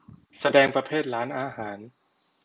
แสดงประเภทร้านอาหาร